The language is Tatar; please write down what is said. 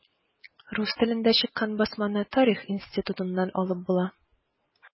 Рус телендә чыккан басманы Тарих институтыннан алып була.